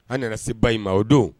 An nana se ba o don